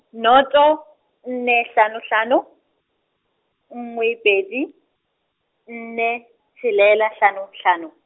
noto, nne hlano hlano, nngwe pedi, nne tshelela hlano hlano.